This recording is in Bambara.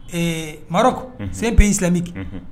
Ɛɛ Marɔku c'est 1 pays islamique